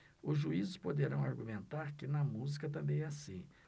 os juízes poderão argumentar que na música também é assim